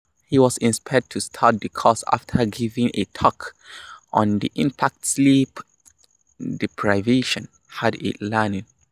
He was inspired to start the course after giving a talk on the impact sleep deprivation had on learning.